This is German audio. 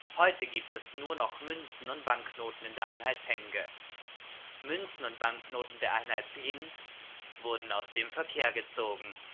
Heute gibt es nur noch Münzen und Banknoten in der Einheit Tenge. Münzen und Banknoten der Einheit Tiyn wurden aus dem Verkehr gezogen